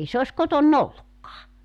ei se ole kotona ollutkaan